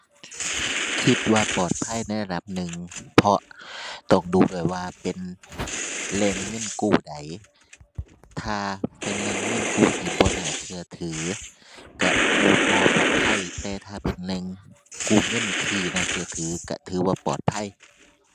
คิดว่าปลอดภัยในระดับหนึ่ง เพราะต้องดูด้วยว่าเป็นแหล่งเงินกู้ใด ถ้าเป็นแหล่งเงินกู้ที่บ่น่าเชื่อถือเชื่อ บ่ปลอดภัย แต่ถ้าเป็นแหล่งกู้เงินที่น่าเชื่อถือเชื่อถือว่าปลอดภัย